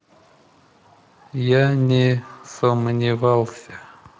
я не сомневался